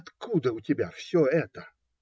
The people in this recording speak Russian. Откуда у тебя все это?